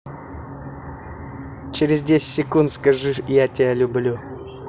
через десять секунд скажи я тебя люблю